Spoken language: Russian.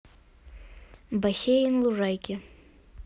бассейн лужники